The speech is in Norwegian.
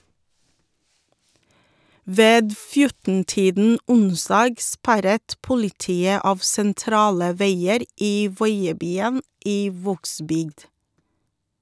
Ved 14-tiden onsdag sperret politiet av sentrale veier i Voiebyen i Vågsbygd.